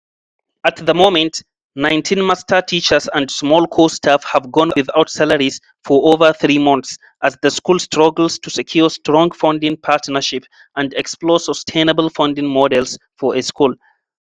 At the moment, 19 master teachers and small core staff have gone without salaries for over three months as the school struggles to secure strong funding partnerships and explore sustainable funding models for a school.